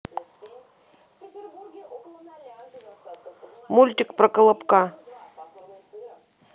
мультик про колобка